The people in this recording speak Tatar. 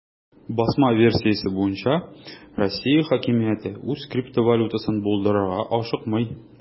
Басма версиясе буенча, Россия хакимияте үз криптовалютасын булдырырга ашыкмый.